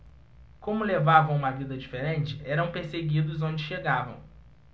como levavam uma vida diferente eram perseguidos onde chegavam